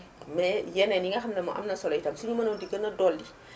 mais yeneen yi nga xam ne moom am na solo itam suñu mënoon di gën a dolli